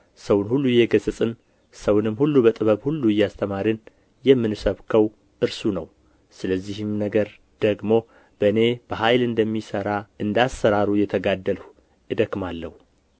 ሰውን ሁሉ እየገሠጽን ሰውንም ሁሉ በጥበብ ሁሉ እያስተማርን የምንሰብከው እርሱ ነው ለዚህም ነገር ደግሞ በእኔ በኃይል እንደሚሠራ እንደ አሠራሩ እየተጋደልሁ እደክማለሁ